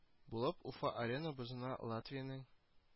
Булып уфа-арена бозына латвиянең